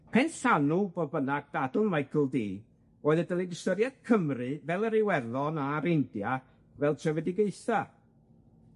Penllanw, fodd bynnag, dadl Michael Dee, oedd yn dylid ystyried Cymru fel yr Iwerddon a'r India fel trefedigaetha.